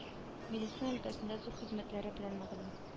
Медицина өлкәсендә зур хезмәтләре белән мәгълүм